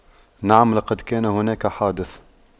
نعم لقد كان هناك حادث